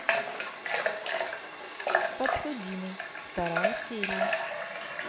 подсудимый вторая серия